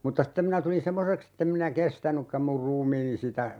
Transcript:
mutta sitten minä tulin semmoiseksi että en minä kestänytkään minun ruumiini sitä